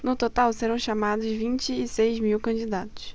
no total serão chamados vinte e seis mil candidatos